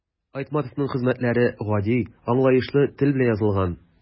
Айтматовның хезмәтләре гади, аңлаешлы тел белән язылган.